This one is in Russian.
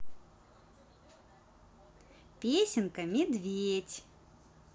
песенка медведь